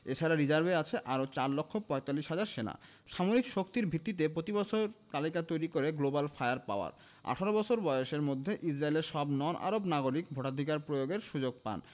এ ছাড়া রিজার্ভে আছে আরও ৪ লাখ ৪৫ হাজার সেনা সামরিক শক্তির ভিত্তিতে প্রতিবছর তালিকা তৈরি করে গ্লোবাল ফায়ার পাওয়ার ১৮ বছর বয়সের মধ্যে ইসরায়েলের সব নন আরব নাগরিক ভোটাধিকার প্রয়োগের সুযোগ পান